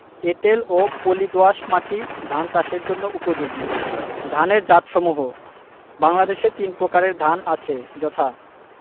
এঁটেল ও পলি দোআঁশ মাটি ধান চাষের জন্য উপযোগী ধানের জাতসমূহ বাংলাদেশে তিন প্রকারের ধান আছে যথাঃ